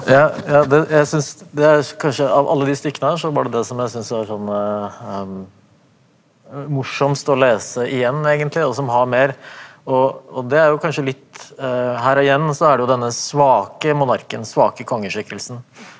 ja ja det jeg syns det er kanskje av alle de stykkene her så var det det som jeg syns var sånn morsomst å lese igjen egentlig og som har mer og og det er jo kanskje litt her igjen så er det jo denne svake monarken svake kongeskikkelsen.